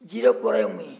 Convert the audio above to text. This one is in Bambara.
jire kɔrɔ ye mun ye